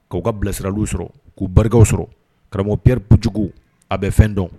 K'aw ka bilasirarali sɔrɔ k'u barikakaw sɔrɔ karamɔgɔpri-jugu a bɛ fɛn dɔn